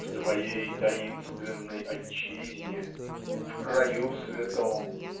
В твоей таинственной отчизне В краю святом